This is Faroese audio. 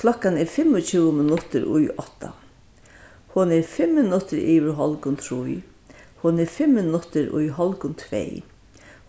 klokkan er fimmogtjúgu minuttir í átta hon er fimm minuttir yvir hálvgum trý hon er fimm minuttir í hálvgum tvey